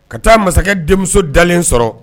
Ka taa masakɛ denmuso dalen sɔrɔ